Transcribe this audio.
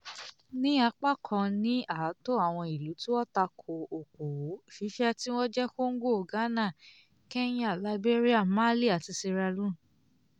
Ní apá kan ni ààtò àwọn ìlú tí wọ́n tako òkòwò ṣíṣe tí wọ́n jẹ́ Congo, Ghana, Kenya, Liberia, Mali àti Sierra Leone.